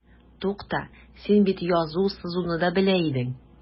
Тукта, син бит язу-сызуны да белә идең.